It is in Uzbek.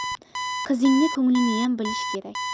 qizingni ko'ngliniyam bilish kerak